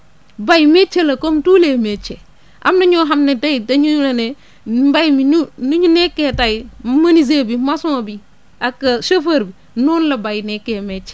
bay métier la comme tous les métiers am na ñoo xam ne tey dañu la ne mbay mi ñu ni ñu nekkee tey menuisier bi maçon bi ak chauffeur bi noonu la bay nekkee metier